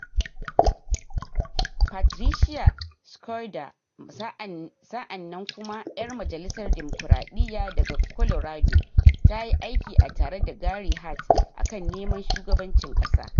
Patricia Schroeder, sa'an nan kuma yar majalisar dimokuradiyya daga Colorado, ta yi aiki tare da Gary Hart a kan neman shugabancin kasa.